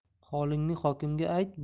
holingni hokimga ayt